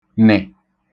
-nị̀